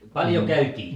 paljon käytiin